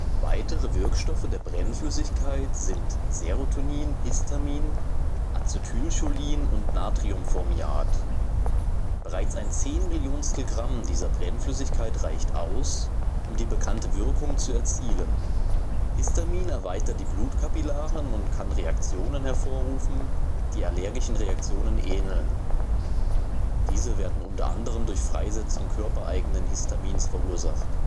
Weitere Wirkstoffe der Brennflüssigkeit sind Serotonin, Histamin, Acetylcholin und Natriumformiat. Bereits ein Zehnmillionstel Gramm dieser Brennflüssigkeit reicht aus, um die bekannte Wirkung zu erzielen. Histamin erweitert die Blutkapillaren und kann Reaktionen hervorrufen, die allergischen Reaktionen ähneln (diese werden unter anderem durch Freisetzung körpereigenen Histamins verursacht